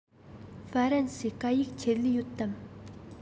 ཧྥ རན སིའི སྐད ཡིག ཆེད ལས ཡོད དམ